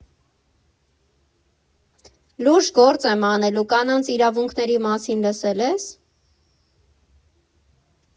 Լուրջ գործ եմ անելու՝ կանանց իրավունքների մասին լսել ե՞ս։